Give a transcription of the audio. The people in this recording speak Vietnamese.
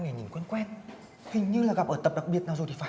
này nhìn quen quen hình như là gặp ở tập đặc biệt nào rồi thì phải